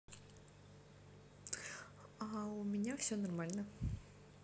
у меня все нормально